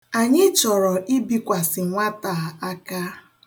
Anyị chọrọ ibikwasị nwata a aka.